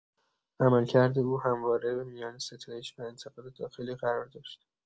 عملکرد او همواره میان ستایش و انتقاد داخلی قرار داشت.